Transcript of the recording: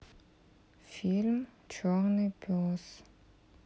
фильм черный пес